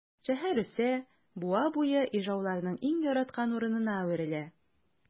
Шәһәр үсә, буа буе ижауларның иң яраткан урынына әверелә.